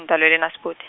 ngitalelwe eNaspoti.